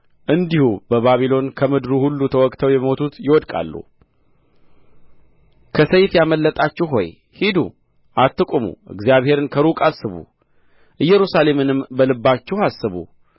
እንዲሁ በባቢሎን ከምድሩ ሁሉ ተወግተው የሞቱት ይወድቃሉ ከሰይፍ ያመለጣችሁ ሆይ ሂዱ አትቁሙ እግዚአብሔርን ከሩቅ አስቡ ኢየሩሳሌምንም በልባችሁ አስቡ